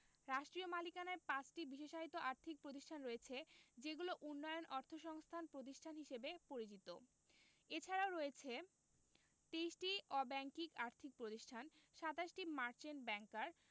রাষ্ট্রীয় মালিকানার ৫টি বিশেষায়িত আর্থিক প্রতিষ্ঠান রয়েছে যেগুলো উন্নয়ন অর্থসংস্থান প্রতিষ্ঠান হিসেবে পরিচিত এছাড়াও রয়েছে ২৩টি অব্যাংকিং আর্থিক প্রতিষ্ঠান ২৭টি মার্চেন্ট ব্যাংকার